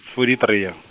forty three ya.